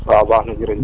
waaw baax na jërëjëf